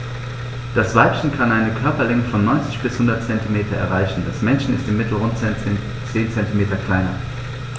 Das Weibchen kann eine Körperlänge von 90-100 cm erreichen; das Männchen ist im Mittel rund 10 cm kleiner.